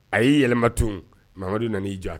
A y'i yɛlɛmama tun mamudumudu nana y'i ja